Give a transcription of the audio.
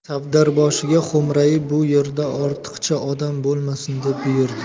savdarboshiga xo'mrayib bu yerda ortiqcha odam bo'lmasin deb buyurdi